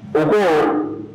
U ko